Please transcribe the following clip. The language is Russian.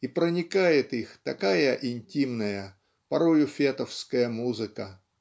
и проникает их такая интимная порою фетовская музыка.